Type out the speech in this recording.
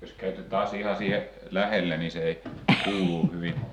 jos käytte taas ihan siihen lähelle niin se ei kuuluu hyvin